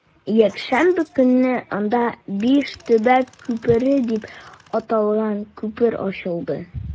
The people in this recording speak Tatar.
Якшәмбе көнне анда “Биш төбәк күпере” дип аталган күпер ачылды.